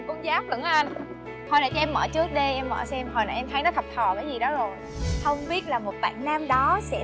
con giáp lẫn anh thôi để cho em mở trước đi em mở xem hồi nãy em thấy nó thập thò cái gì đó rồi không biết là một bạn nam đó sẽ